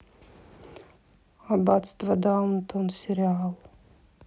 аббатство даунтон сериал